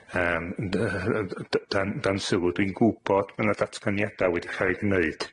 Yym ond yy yy d- dan dan sylw dwi'n gwbod bo' 'na datganiada wedi ca'l 'u gneud,